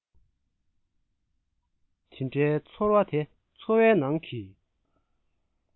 དེ འདྲའི ཚོར བ དེ འཚོ བའི ནང གི